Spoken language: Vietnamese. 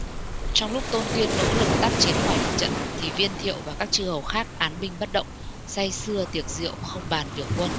trong lúc tôn kiên nỗ lực tác chiến ngoài mặt trận thì viên thiệu và các chư hầu khác án binh bất động say sưa tiệc rượu không bàn việc quân